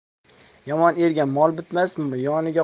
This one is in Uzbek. yomon erga mol bitsa yoniga